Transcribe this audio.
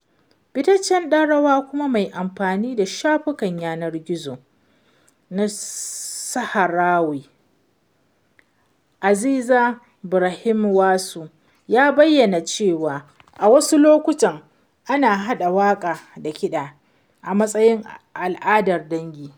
Fitaccen ɗan rawa kuma mai amfani da shafukan yanar gizo na Sahrawi, Aziza Brahimwasu ya bayyana cewa, a wasu lokutan ana haɗa waƙa da kiɗa a matsayin ala'dar dangi.